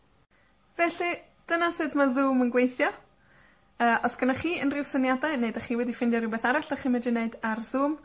Felly, dyna sut ma' Zoom yn gweithio. Yy, o's gynnoch chi unryw syniadau, neu 'dach chi wedi ffindio rwbeth arall 'dach chi'n medru neud ar Zoom,